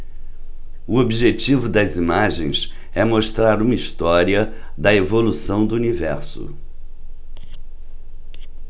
o objetivo das imagens é mostrar uma história da evolução do universo